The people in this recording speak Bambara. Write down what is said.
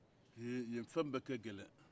yen-yen fɛn bɛɛ ka gɛlɛn